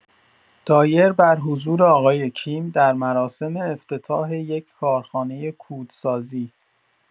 دایر بر حضور آقای کیم در مراسم افتتاح یک کارخانه کودسازی